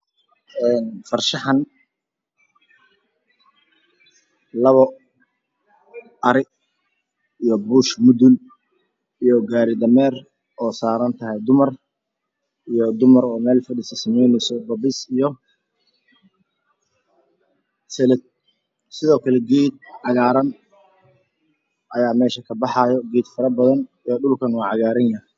Farshaxan labo arag iyo buush mudul iyo gaari dameer oo saaran tahay duamar iyo dumaroo meel fadhiso sameyayso babis sidookale geed cagaaran ayaaa meesha kabaxayo geed fara badan iyo dhulkana waa cagaaran yahay